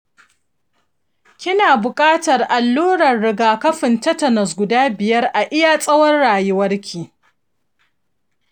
kina buƙatan allurar rigakafin tetanus guda biyar a iya tsawon rayuwarki